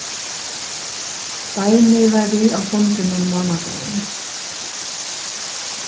beinir var við á fundinum mánadagin